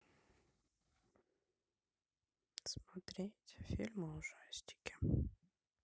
смотреть фильмы ужастики